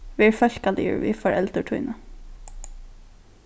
ver fólkaligur við foreldur tíni